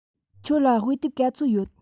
ཁྱོད ལ དཔེ དེབ ག ཚོད ཡོད